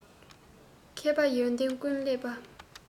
མཁས པ ཡོན ཏན ཀུན བསླབས པ